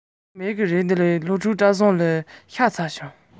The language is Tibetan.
ཡིག རྒྱུགས སྐར གྲངས སོགས མེད པ ནི